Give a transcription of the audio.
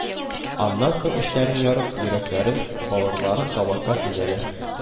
Аннан соң эчләрен ярып, йөрәкләрен, бавырларын табакка тезәләр